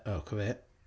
O, co fe.